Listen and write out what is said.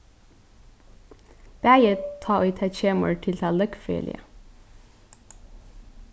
bæði tá ið tað kemur til tað løgfrøðiliga